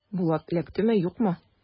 Булат эләктеме, юкмы?